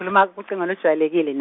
ngikhuluma kucingo olujwayelekile .